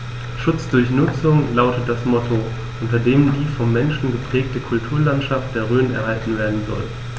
„Schutz durch Nutzung“ lautet das Motto, unter dem die vom Menschen geprägte Kulturlandschaft der Rhön erhalten werden soll.